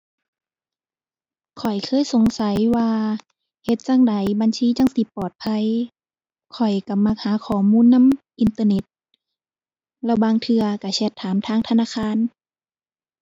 ข้อยเคยสงสัยว่าเฮ็ดจั่งใดบัญชีจั่งสิปลอดภัย ข้อยก็มักหาข้อมูลนำอินเทอร์เน็ต แล้วบางเทื่อก็แชตถามทางธนาคาร